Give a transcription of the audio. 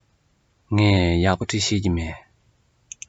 ངས ཡག པོ འབྲི ཤེས ཀྱི མེད